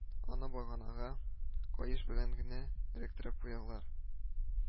Аны баганага каеш белән генә эләктереп куялар